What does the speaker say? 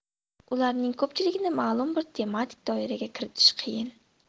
ularning ko'pchiligini ma'lum bir tematik doiraga kiritish qiyin